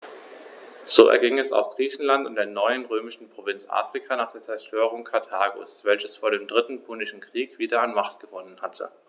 So erging es auch Griechenland und der neuen römischen Provinz Afrika nach der Zerstörung Karthagos, welches vor dem Dritten Punischen Krieg wieder an Macht gewonnen hatte.